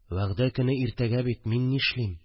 – вәгъдә көне иртәгә бит, мин нишлим